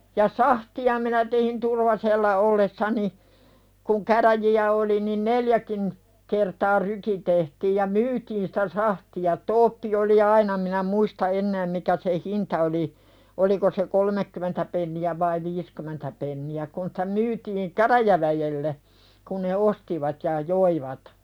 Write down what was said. ja sahtia minä tein Turvasella ollessani kun käräjiä oli niin neljäkin kertaa ryyki tehtiin ja myytiin sitä sahtia toppi oli aina minä muista enää mikä sen hinta oli oliko se kolmekymmentä penniä vai viisikymmentä penniä kun sitä myytiin käräjäväelle kun ne ostivat ja joivat